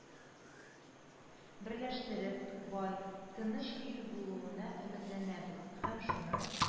Берләштереп, бай, тыныч ил булуына өметләнәбез, һәм шуның